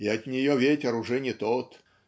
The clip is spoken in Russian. И от нее ветер уже не тот